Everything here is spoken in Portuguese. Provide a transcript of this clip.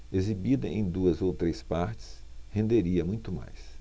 exibida em duas ou três partes renderia muito mais